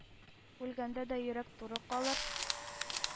Үлгәндә дә йөрәк туры калыр